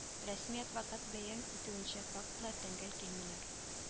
Рәсми адвокат бәян итүенчә фактлар тәңгәл килмиләр